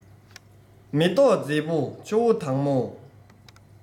མེ ཏོག མཛེས པོ ཆུ བོ དྭངས མོ